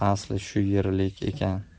asli shu yerlik ekan